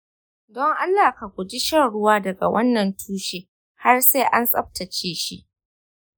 don allah ka guji shan ruwa daga wannan tushe har sai an tsabtace shi.